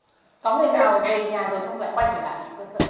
có người nào về nhà rồi xong lại quay trở lại cơ sở không